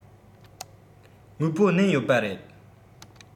དངོས པོ བསྣན ཡོད པ རེད